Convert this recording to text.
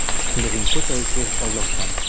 Беренче тәэсир алдаучан.